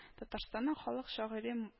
Татарстанның халык шагыйре